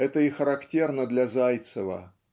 Это и характерно для Зайцева